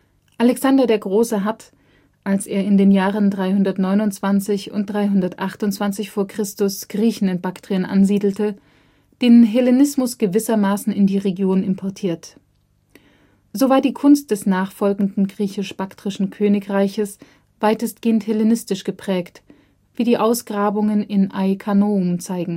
Alexander der Große hat, als er in den Jahren 329 und 328 v. Chr. Griechen in Baktrien ansiedelte, den Hellenismus gewissermaßen in die Region importiert. So war die Kunst des nachfolgenden Griechisch-Baktrischen Königreiches weitestgehend hellenistisch geprägt, wie die Ausgrabungen in Ai Khanoum gezeigt